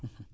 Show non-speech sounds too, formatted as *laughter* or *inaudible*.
*hesitation* *hesitation*